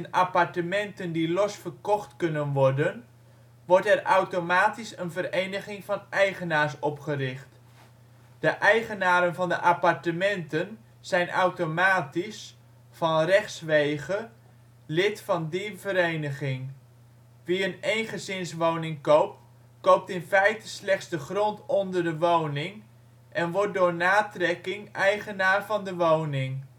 appartementen die los verkocht kunnen worden, wordt er automatisch een vereniging van eigenaars opgericht. De eigenaren van de appartementen zijn automatisch (' van rechtswege ') lid van die vereniging. Wie een eengezinswoning koopt, koopt in feite slechts de grond onder de woning, en wordt door natrekking eigenaar van de woning